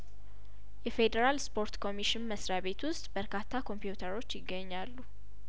የፌዴራል ስፖርት ኮሚሽን መስሪያቤት ውስጥ በርካታ ኮምፒዩተሮች ይገኛሉ